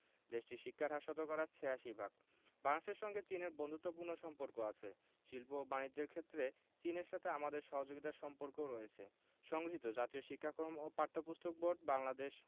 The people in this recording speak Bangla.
দেশটির শিক্ষার হার শতকরা ৮৬ ভাগ বাংলাদেশের সঙ্গে চীনের বন্ধুত্বপূর্ণ সম্পর্ক আছে শিল্প ও বানিজ্য ক্ষেত্রে চীনের সাথে আমাদের সহযোগিতার সম্পর্কও রয়েছে সংগৃহীত জাতীয় শিক্ষাক্রম ও পাঠ্যপুস্তক বোর্ড বাংলাদেশ